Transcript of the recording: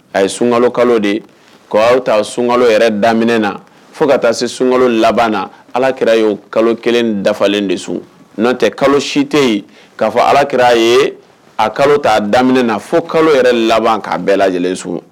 A ye sunka kalo de ye k koaw' sunka yɛrɛ daminɛ na fo ka taa se sunka laban na alaki ye' kalo kelen dafalen de sun n' tɛ kalo si tɛ yen k'a fɔ ala kɛra a ye a kalo t'a daminɛ na fo kalo yɛrɛ laban k'a bɛɛ lajɛlen so